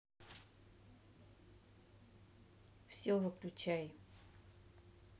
все выключай